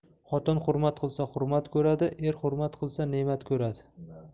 xotin hurmat qilsa hurmat ko'radi er hurmat qilsa ne'mat ko'radi